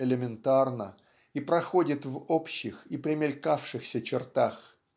элементарно и проходит в общих и примелькавшихся чертах.